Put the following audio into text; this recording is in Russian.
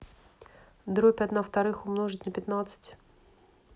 дробь одна вторых умножить на пятнадцать